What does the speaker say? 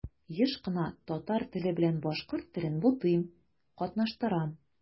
Еш кына татар теле белән башкорт телен бутыйм, катнаштырам.